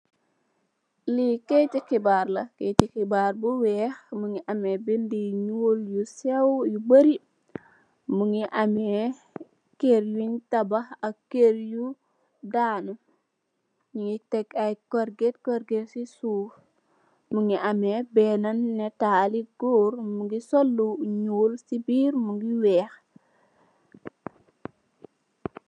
Le kaity hebarr la.kaity hebarr bu weex mu nge ameh bendi yu seew yu bari mugi ameh kerr yun tabah ak kerr yu dañoo nyu gi tek ai korget yi si suf mugi ameh bena natale góor mugi sol lu nul si birr mugi weex.